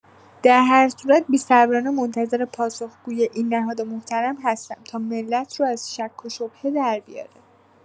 درهر صورت بی‌صبرانه منتظر پاسخگویی این نهاد محترم هستم، تا ملت رو از شک و شبهه دربیاره.